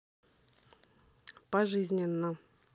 пожизненно